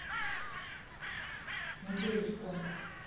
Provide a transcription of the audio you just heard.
найди опять в конго